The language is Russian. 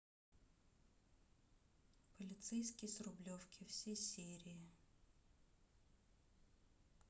полицейский с рублевки все серии